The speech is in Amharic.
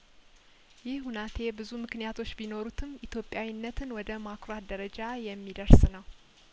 ይህ ሁናቴ ብዙም ክንያቶች ቢኖሩትም ኢትዮጵያዊነትን ወደ ማ ኩራት ደረጃ የሚደርስ ነው